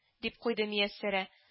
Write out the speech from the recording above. —дип куйды мияссәрә